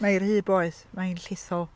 Ma' hi rhy boeth. Mae'n llethol.